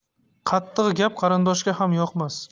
qattiq gap qarindoshga ham yoqmas